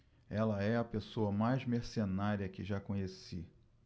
ela é a pessoa mais mercenária que já conheci